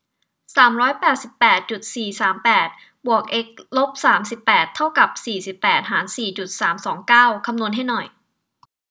สามร้อยแปดสิบแปดจุดสี่สามแปดบวกเอ็กซ์ลบสามสิบแปดเท่ากับสี่สิบแปดหารสี่จุดสามสองเก้าคำนวณให้หน่อย